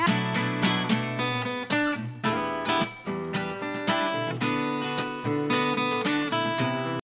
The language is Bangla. music